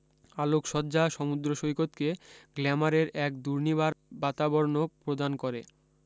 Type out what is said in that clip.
আলোকসজ্জা সমুদ্রসৈকতকে গ্ল্যামারের এক দুর্নিবার বাতাবর্ণ প্রদান করে